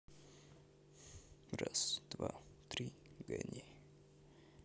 раз два три гони